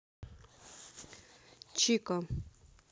чика